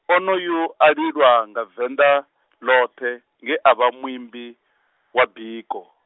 onoyu, a lilwa, nga Venḓa, ḽoṱhe, nge a vha muimbi, wa biko.